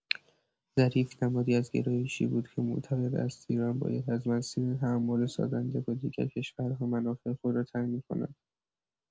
ظریف نمادی از گرایشی بود که معتقد است ایران باید از مسیر تعامل سازنده با دیگر کشورها منافع خود را تأمین کند.